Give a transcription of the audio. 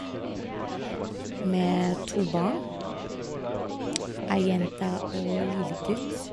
Med to barn, ei jente og lillegutt.